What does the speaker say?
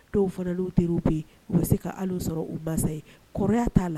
Dɔw fana bɛ yen u bɛ se' sɔrɔ u ba ye kɔrɔ t'a la